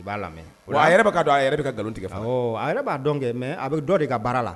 U b'a lamɛn, a yɛrɛ b'a don k'a bɛ ka nkalon tigɛ, awɔ; a b'a dɔn kɛ, a bɛ dɔ de ka baara la!